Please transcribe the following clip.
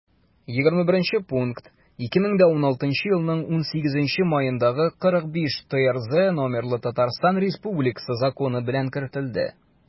21 пункт 2016 елның 18 маендагы 45-трз номерлы татарстан республикасы законы белән кертелде